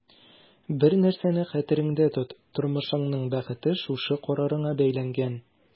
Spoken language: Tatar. Бер нәрсәне хәтерендә тот: тормышыңның бәхете шушы карарыңа бәйләнгән.